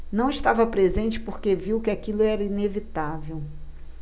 não estava presente porque viu que aquilo era inevitável